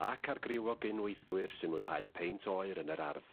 ...ac ar griw o gyn weithwyr sy'n mwynhau peint oer yn yr ardd.